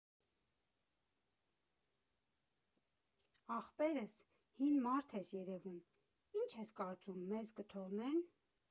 Ախպերս, հին մարդ ես երևում, ի՞նչ ես կարծում, մեզ կթողնե՞ն։